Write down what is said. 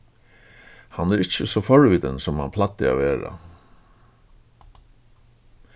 hann er ikki so forvitin sum hann plagdi at vera